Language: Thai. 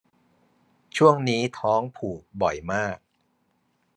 ช่วงนี้ท้องผูกบ่อยมาก